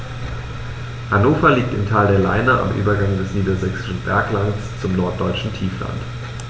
Hannover liegt im Tal der Leine am Übergang des Niedersächsischen Berglands zum Norddeutschen Tiefland.